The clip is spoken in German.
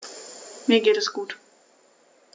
Mir geht es gut.